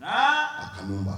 H a